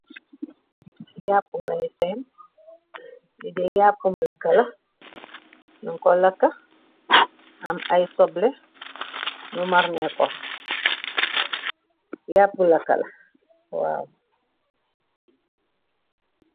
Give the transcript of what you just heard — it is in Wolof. Yaapu ngai sehnn, lii deh yaapum lahkah la, njung koh lahkah, am aiiy sobleh, nju marineh kor, yaapu lahkah la, waw.